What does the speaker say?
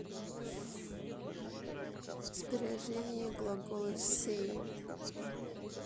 спряжение глагола sein